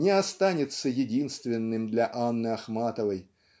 не останется единственным для Анны Ахматовой